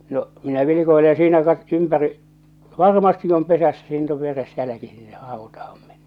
no minä vilkuilen ja siinä - ympäri varmasti on pesässä siinä on veres jälki sinne hautaan mennyt